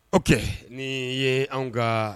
O kɛ ne ye an ka